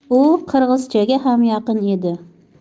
u qirg'izchaga ham yaqin edi